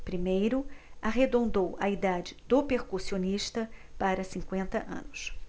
primeiro arredondou a idade do percussionista para cinquenta anos